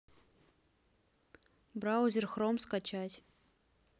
браузер хром скачать